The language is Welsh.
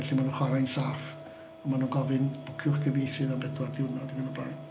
Felly mae nhw'n chwarae hi'n saff a maen nhw'n gofyn "bwciwch gyfieithydd am bedwar diwrnod" neu yn y blaen.